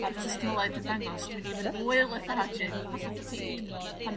ma'r tystiolaeth yn dangos dwi'n even mwy lethargic hollol fatigued pan...